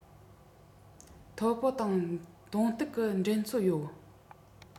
ཐའོ པའོ དང གདོང གཏུག གི འགྲན རྩོད ཡོད